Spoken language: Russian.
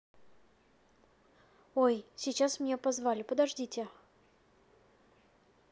ой сейчас меня позвали подождите